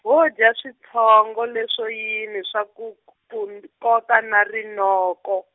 wo dya switshongo leswo yini swa ku ku -mb koka na rinoko?